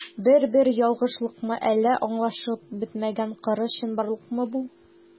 Бер-бер ялгышлыкмы, әллә аңлашылып бетмәгән кырыс чынбарлыкмы бу?